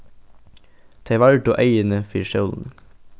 tey vardu eyguni fyri sólini